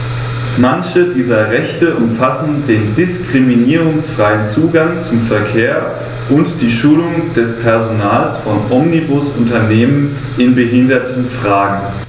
Manche dieser Rechte umfassen den diskriminierungsfreien Zugang zum Verkehr und die Schulung des Personals von Omnibusunternehmen in Behindertenfragen.